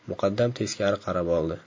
muqaddam teskari qarab oldi